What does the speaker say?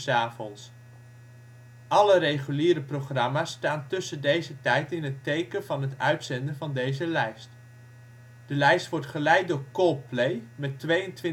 avonds. Alle reguliere programma 's staan tussen deze tijd in het teken van het uitzenden van deze lijst. De lijst wordt geleid door Coldplay met